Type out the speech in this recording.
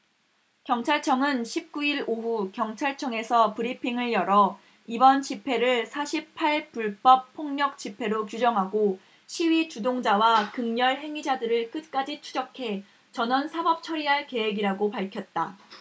경찰청은 십 구 일 오후 경찰청에서 브리핑을 열어 이번 집회를 사 십 팔 불법 폭력 집회로 규정하고 시위 주동자와 극렬 행위자들을 끝까지 추적해 전원 사법처리할 계획이라고 밝혔다